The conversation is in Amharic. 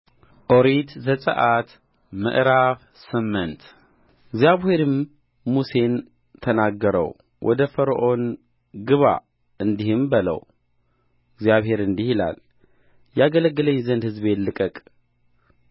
ኦሪት ዘጽአት ምዕራፍ ስምንት እግዚአብሔርም ሙሴን ተናገረው ወደ ፈርዖን ግባ እንዲህም በለው እግዚአብሔር እንዲህ ይላል ያገለግለኝ ዘንድ ሕዝቤን ልቀቅ